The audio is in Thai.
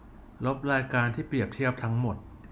ลบรายการเปรียบเทียบทั้งหมด